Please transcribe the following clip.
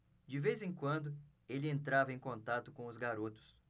de vez em quando ele entrava em contato com os garotos